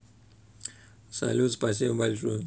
салют спасибо большое